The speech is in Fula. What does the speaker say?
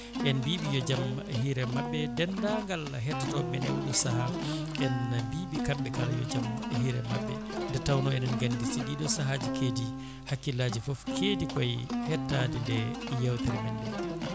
en mbiɓe yo jaam hiire mabɓe e dendagal hettotoɓe men e oɗo saaha en mbiɓe kamɓe kala yo jaam hiire mabɓe nde tawno eɗen gandi so ɗiɗo saahaji keedi hakkillaji foof keedi koye hettade nde yewteremen nde